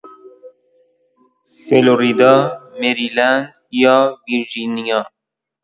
فلوریدا، مریلند، یا ویرجینیا